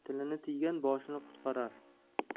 tilini tiygan boshini qutqarar